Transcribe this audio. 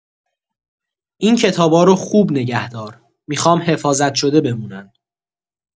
این کتابا رو خوب نگه دار، می‌خوام حفاظت‌شده بمونن.